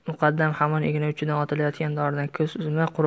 muqaddam hamon igna uchidan otilayotgan doridan ko'z uzmay